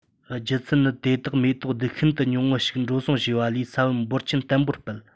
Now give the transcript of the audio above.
རྒྱུ མཚན ནི དེ དག མེ ཏོག རྡུལ ཤིན ཏུ ཉུང ངུ ཞིག འགྲོ སོང བྱས པ ལས ས བོན འབོར ཆེན བརྟན པོར སྤེལ